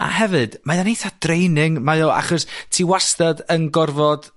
a hefyd mae o'n eitha draining. Mae o achos ti wastad yn gorfod